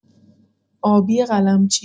آبی قلمچی